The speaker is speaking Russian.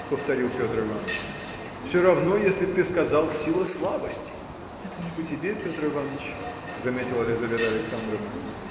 – повторил Петр Иваныч, – все равно, если б ты сказал – сила слабости. – Это не по тебе Петр Иваныч – заметила Лизавета Александровна